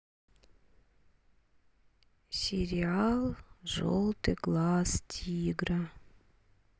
сериал желтый глаз тигра